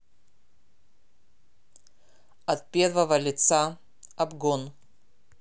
от первого лица обгон